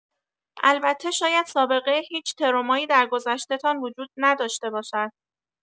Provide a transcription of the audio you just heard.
البته شاید سابقه هیچ ترومایی در گذشته‌تان وجود نداشته باشد.